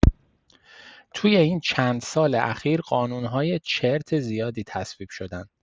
توی این چند سال اخیر قانون‌های چرت زیادی تصویب شدن.